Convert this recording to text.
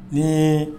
Ee